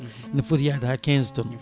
ne footi yaade ha quinze tonnes